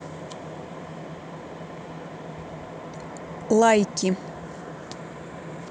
лайки